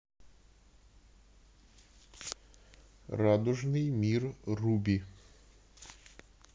радужный мир руби